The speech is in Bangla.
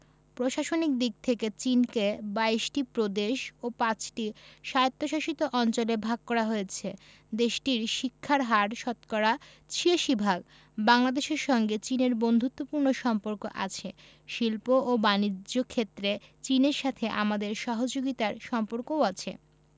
প্রশাসনিক দিক থেকে চিনকে ২২ টি প্রদেশ ও ৫ টি স্বায়ত্তশাসিত অঞ্চলে ভাগ করা হয়েছে দেশটির শিক্ষার হার শতকরা ৮৬ ভাগ বাংলাদেশের সঙ্গে চীনের বন্ধুত্বপূর্ণ সম্পর্ক আছে শিল্প ও বানিজ্য ক্ষেত্রে চীনের সাথে আমাদের সহযোগিতার সম্পর্কও আছে